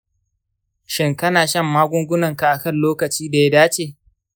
shin kana shan magungunanka a kan lokaci daya dace?